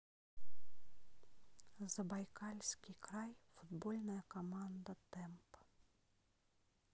забайкальский край футбольная команда темп